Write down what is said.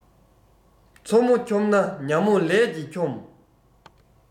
མཚོ མོ འཁྱོམས ན ཉ མོ ལས ཀྱིས འཁྱོམ